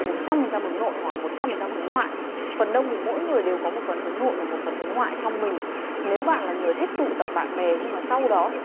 phần trăm hướng nội hoặc là phần trăm hướng ngoại phần đông thì mỗi người đều có một phần hướng nội và một phần hướng ngoại trong mình nếu bạn là người thích tụ tập bạn bè nhưng mà sau đó thì cũng